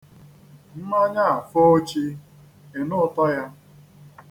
Mmanya foo chi, ị nụ ụtọ ya.